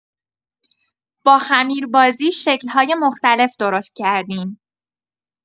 با خمیر بازی شکل‌های مختلف درست کردیم.